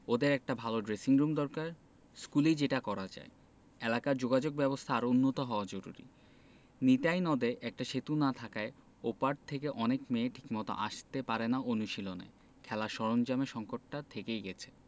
ওদের একটা ভালো ড্রেসিংরুম দরকার স্কুলেই যেটা করা যায় এলাকার যোগাযোগব্যবস্থা আরও উন্নত হওয়া জরুরি নিতাই নদে একটা সেতু না থাকায় ওপার থেকে অনেক মেয়ে ঠিকমতো আসতে পারে না অনুশীলনে খেলার সরঞ্জামের সংকটটা থেকেই গেছে